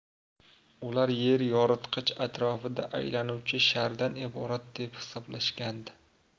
ular yer yoritqich atrofida aylanuvchi shardan iborat deb hisoblashgandi